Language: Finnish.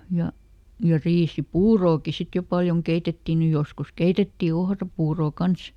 ja ja riisipuuroakin sitten jo paljon keitettiin nyt joskus keitettiin ohrapuuroa kanssa